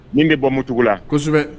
Nin bɛ bɔ muncogo la kosɛbɛ